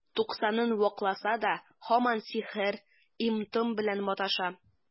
Туксанын вакласа да, һаман сихер, им-том белән маташа.